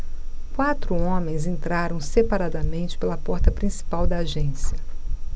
quatro homens entraram separadamente pela porta principal da agência